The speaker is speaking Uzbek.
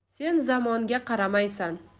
sen zamonga qaramaysan